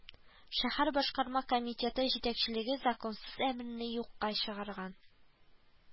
Шәһәр башкарма комитеты җитәкчелеге законсыз әмерне юкка чыгарган